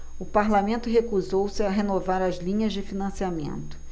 o parlamento recusou-se a renovar as linhas de financiamento